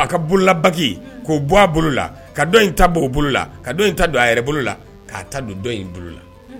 a ka bolola baki ko bɔ a bolola ka dɔn in ta bɔ bolola ka ta don a yɛrɛ bolo la kaa ta don in bolo la